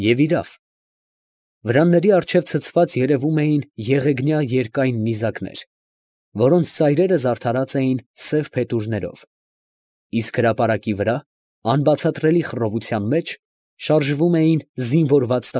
Եվ իրավ, վրանների առջև ցցված երևում էին եղեգնյա երկայն նիզակներ, որոնց ծայրերը զարդարած էին սև փետուրներով, իսկ հրապարակի վրա անբացատրելի խռովության մեջ շարժվում էին զինվորված։